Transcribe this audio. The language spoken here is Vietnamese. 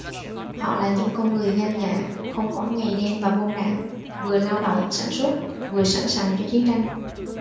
họ là những con người gan dạ không quản ngày đêm và bom đạn vừa lao động sản xuất vừa sẵn sàng cho chiến tranh